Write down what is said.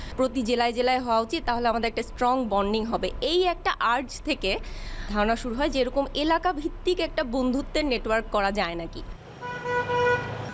জেলায় জেলায় হওয়া উচিত তাহলে আমাদের একটা স্ট্রং বন্ডিং হবে এই একটা আর্জ থেকে ধারণা শুরু হয় যে এরকম এলাকা ভিত্তিক একটা বন্ধুদের নেটওয়ার্ক করা যায় নাকি